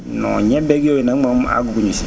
non ñebeeg yooyu nag moom àggaguñu si